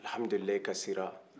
al hamdulillah kasera